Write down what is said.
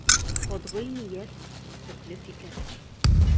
Катгый ният, төпле фикер.